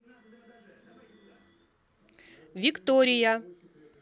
виктория